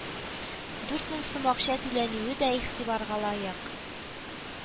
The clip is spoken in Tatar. Дүрт мең сум акча түләнүе дә игътибарга лаек